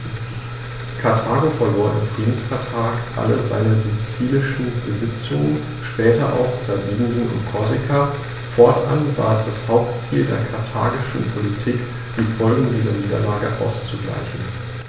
Karthago verlor im Friedensvertrag alle seine sizilischen Besitzungen (später auch Sardinien und Korsika); fortan war es das Hauptziel der karthagischen Politik, die Folgen dieser Niederlage auszugleichen.